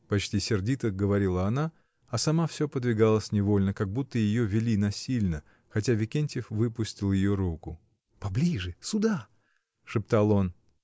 — почти сердито говорила она, а сама всё подвигалась невольно, как будто ее вели насильно, хотя Викентьев выпустил ее руку. — Поближе, сюда! — шептал он.